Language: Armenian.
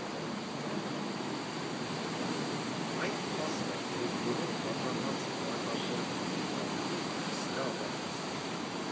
Այն փաստը, որ բոլոր բաժանած պլակատները մարդիկ տարան տուն, դրա ապացույցն է։